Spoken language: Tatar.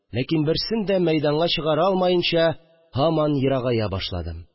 Ләкин берсен дә мәйданга чыгара алмаенча, һаман ерагая башладым